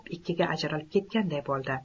ikkiga ajralib ketganday bo'ldi